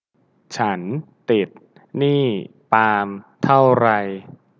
ฉันติดหนี้ปาล์มเท่าไร